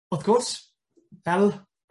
Wrth gwrs, fel